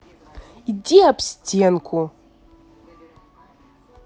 иди об стенку